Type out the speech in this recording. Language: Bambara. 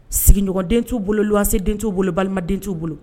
Sigiɲɔgɔn den'u bolo se den t'u bolo balima den t'u bolo